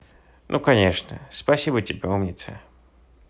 ну конечно спасибо тебе умница